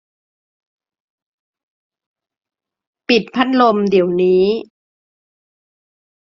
ปิดพัดลมเดี๋ยวนี้